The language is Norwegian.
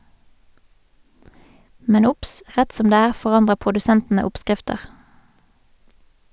Men obs - rett som det er forandrer produsentene oppskrifter.